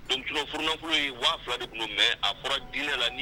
Dontuforofolo waa fila de tun bɛ a fɔra di la